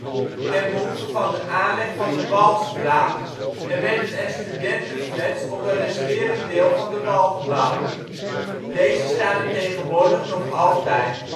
ten behoeve van de aanleg van de Walstraat en werden er studentenflats op een resterend deel van de wal gebouwd. Deze staan er tegenwoordig nog altijd